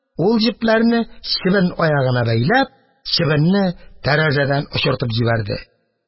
Ул, җепләрне чебен аягына бәйләп, чебенне тәрәзәдән очыртып җибәрде.